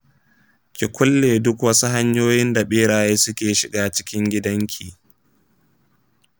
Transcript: ki kulle duk wasu hanyoyin da beraye suke shiga cikin gidanki.